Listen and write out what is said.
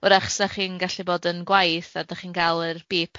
'w'rach 'sa chi'n gallu bod yn gwaith a dach chi'n ga' yr bip ar yr